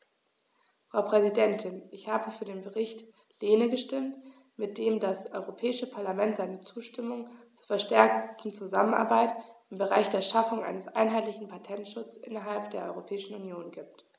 Frau Präsidentin, ich habe für den Bericht Lehne gestimmt, mit dem das Europäische Parlament seine Zustimmung zur verstärkten Zusammenarbeit im Bereich der Schaffung eines einheitlichen Patentschutzes innerhalb der Europäischen Union gibt.